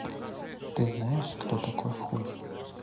ты знаешь кто такой хуй